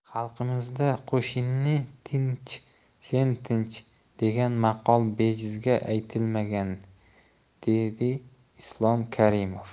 xalqimizda qo'shning tinch sen tinch degan maqol bejizga aytilmagan dedi islom karimov